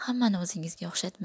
hammani o'zingizga o 'xshatmang